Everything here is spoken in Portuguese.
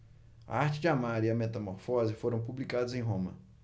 a arte de amar e a metamorfose foram publicadas em roma